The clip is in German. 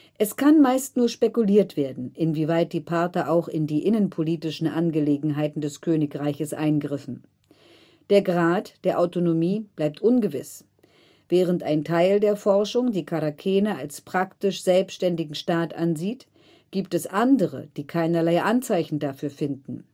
Es kann meist nur spekuliert werden, inwieweit die Parther auch in die innenpolitischen Angelegenheiten des Königreiches eingriffen. Der Grad der Autonomie bleibt ungewiss. Während ein Teil der Forschung die Charakene als praktisch selbständigen Staat ansieht, gibt es andere, die keinerlei Anzeichen dafür finden